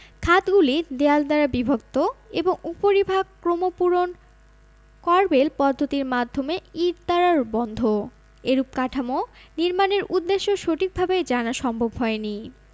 খাতগুলি দেয়াল দ্বারা বিভক্ত এবং উপরিভাগ ক্রমপূরণ করবেল পদ্ধতির মাধ্যমে ইট দ্বারা বন্ধ এরূপ কাঠামো নির্মাণের উদ্দেশ্য সঠিকভাবে জানা সম্ভব হয় নি